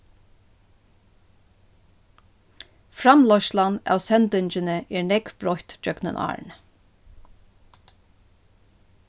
framleiðslan av sendingini er nógv broytt gjøgnum árini